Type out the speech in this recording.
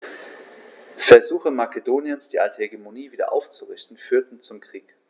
Versuche Makedoniens, die alte Hegemonie wieder aufzurichten, führten zum Krieg.